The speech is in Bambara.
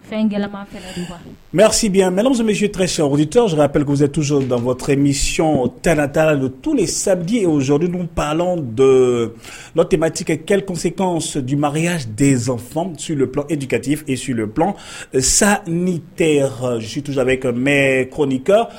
Fɛnkan mɛsibi mmuso bɛ suo sɔrɔ ka perekkisɛ tusomiy tanta don tu de sadizod pan don n tunma ci ka kɛsekan sodimaya dezfa sulop edi kati e sulola sa ni tɛ sutusa ka mɛ kɔn kan